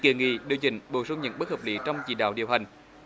kiến nghị điều chỉnh bổ sung những bất hợp lý trong chỉ đạo điều hành